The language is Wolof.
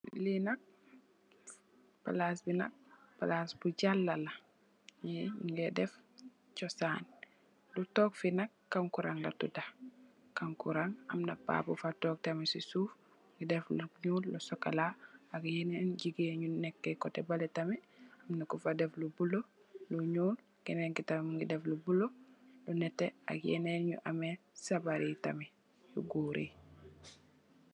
Li nak palass bi nak palass pul jalala nyi nyungeh def chosan lu tog fi nak kankurang la tuda kankurang amna pa bu fa tog tamit sey suuf Mungi def nak lu nyuul lu Sokoka ak yenen gigain yu nekeh koteh beleh tamit nyungko fa def lu blue lu nyuul kenen ki tamit Mungi def lu blue lu neteh ak yenen yu ameh sabari tamit yu gorri.